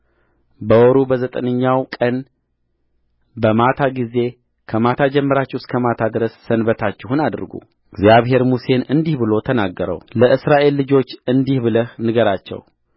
በወሩ በዘጠነኛው ቀን በማታ ጊዜ ከማታ ጀምራችሁ እስከ ማታ ድረስ ሰንበታችሁን አድርጉእግዚአብሔር ሙሴን እንዲህ ብሎ ተናገረውለእስራኤል ልጆች እንዲህ ብለህ ንገራቸው